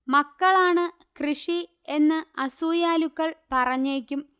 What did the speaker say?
മക്കളാണ് കൃഷി എന്ന്അസൂയാലുക്കൾ പറഞ്ഞേക്കും